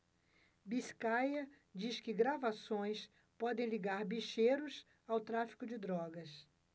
biscaia diz que gravações podem ligar bicheiros ao tráfico de drogas